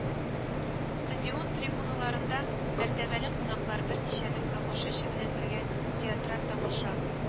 Стадион трибуналарында мәртәбәле кунаклар берничә мең тамашачы белән бергә театраль тамаша